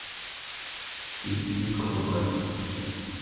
песни круга